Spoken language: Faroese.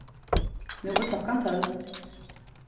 nú er klokkan tólv